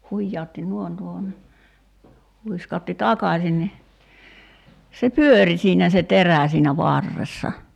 hujautti noin tuohon niin huiskautti takaisin niin se pyöri siinä se terä siinä varressa